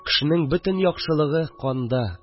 Кешенең бөтен яхшылыгы – канда